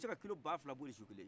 i bɛ se ka kilo baafila boli su kelen